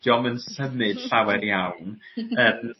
'Di o'm yn symud llawer iawn yym